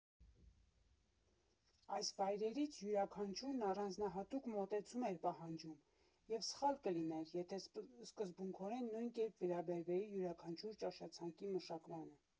Այս վայրերից յուրաքանչյուրն առանձնահատուկ մոտեցում էր պահանջում, և սխալ կլիներ, եթե սկզբունքորեն նույն կերպ վերաբերվեի յուրաքանչյուրի ճաշացանկի մշակմանը։